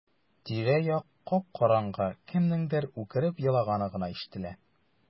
Тирә-як кап-караңгы, кемнеңдер үкереп елаганы гына ишетелә.